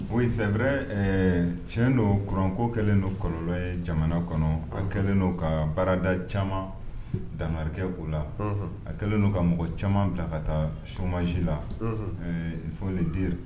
Bon sɛbɛrɛ tiɲɛ don kuranko kɛlen don kalolɔn ye jamana kɔnɔ an kɛlen ka baarada caman dangarikɛ o la a kɛlen' ka mɔgɔ caman bila ka taa somaz la fɔli den